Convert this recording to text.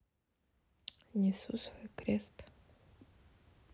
несу свой крест